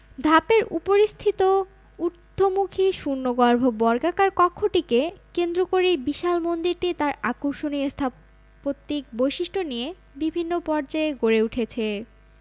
ধাপের উপরিস্থিত ঊর্ধ্বমুখী শূন্যগর্ভ বর্গাকার কক্ষটিকে কেন্দ্র করেই বিশাল মন্দিরটি তার আকর্ষণীয় স্থাপত্যিক বৈশিষ্ট্য নিয়ে বিভিন্ন পর্যায়ে গড়ে উঠেছে